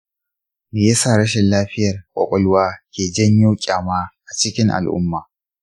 me ya sa rashin lafiyar ƙwaƙwalwa ke janyo ƙyama a cikin al'umma?